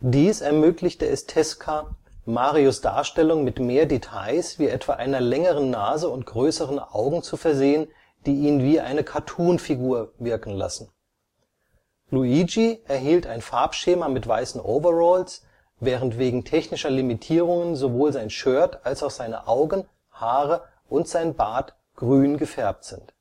Dies ermöglichte es Tezuka, Marios Darstellung mit mehr Details wie etwa einer längeren Nase und größeren Augen zu versehen, die ihn wie eine Cartoon-Figur wirken lassen. Luigi erhielt ein Farbschema mit weißen Overalls, während wegen technischer Limitierungen sowohl sein Shirt als auch seine Augen, Haare und sein Bart grün gefärbt sind